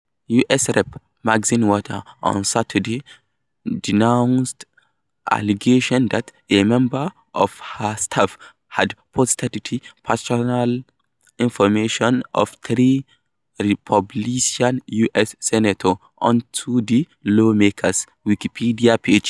U.S. Rep. Maxine Waters on Saturday denounced allegations that a member of her staff had posted the personal information of three Republican U.S. senators onto the lawmakers' Wikipedia pages.